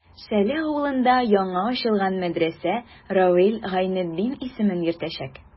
Шәле авылында яңа ачылган мәдрәсә Равил Гайнетдин исемен йөртәчәк.